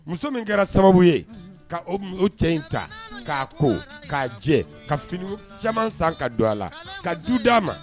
Muso min kɛra sababu ye ka o musow cɛ in ta k'a ko k'a jɛ ka fini caman san ka don a la ka du d'a ma